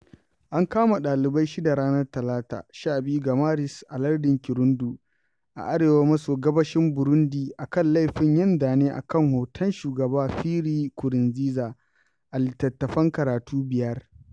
An kama ɗalibai shida ranar Talata, 12 ga Maris a lardin Kirundo a arewa maso gabashin Burundi a kan laifin yin zane a kan hoton shugaba Pierre Nkurunziza a littattafan karatu biyar.